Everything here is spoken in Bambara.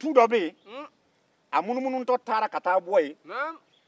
a munumunutɔ taara bɔ tu dɔ kan